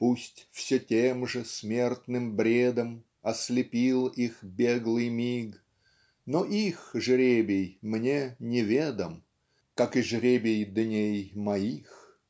Пусть все тем же смертным бредом Ослепил их беглый миг Но их жребий мне неведом Как и жребий дней моих.